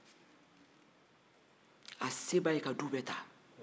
a se b'a ye ka du bɛɛ ta